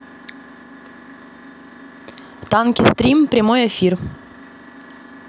танки стрим прямой эфир